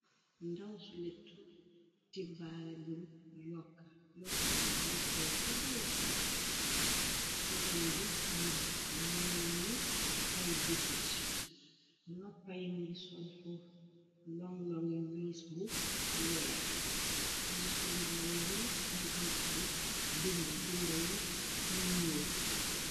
Ndaw ci lettu ti baale bu kyokkayna yokka yu guddala ko def ci ron bi mnumeni ay bu tit noppayi ngi sol fu long longi wiis bungi sol bu bamu weex mu am ay binda yu ñuuy.